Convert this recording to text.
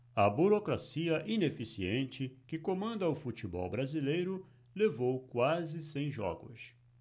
a burocracia ineficiente que comanda o futebol brasileiro levou quase cem jogos